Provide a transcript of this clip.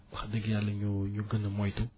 wax dëgg Yàlla ñu ñu gën a moytu